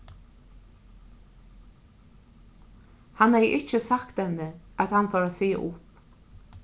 hann hevði ikki sagt henni at hann fór at siga upp